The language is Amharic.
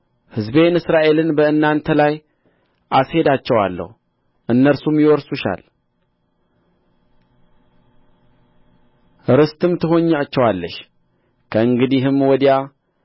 ሕዝቤን እስራኤልን በእናንተ ላይ አስሄዳቸዋለሁ እነርሱም ይወርሱሻል ርስትም ትሆኛቸዋለሽ ከእንግዲህም ወዲያ